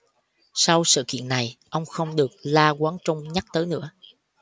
sau sự kiện này ông không được la quán trung nhắc tới nữa